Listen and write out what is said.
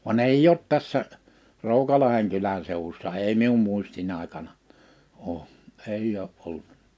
vaan ei ole tässä Roukalahden kylän seudussa ei minun muistini aikana ole ei ole ollut